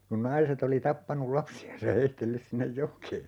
kun naiset oli tappanut lapsiaan ja heitellyt sinne jokeen